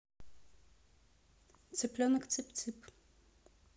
цыпленок цып цып